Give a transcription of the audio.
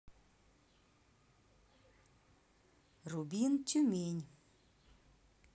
рубин тюмень